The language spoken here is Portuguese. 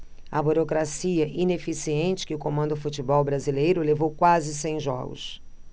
a burocracia ineficiente que comanda o futebol brasileiro levou quase cem jogos